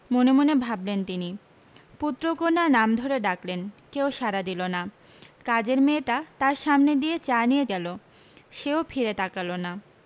মনে মনে ভাবলেন তিনি পুত্র কন্যার নাম ধরে ডাকলেন কেউ সাড়া দিল না কাজের মেয়েটা তাঁর সামনে দিয়ে চা নিয়ে গেল সে ও ফিরে তাকাল না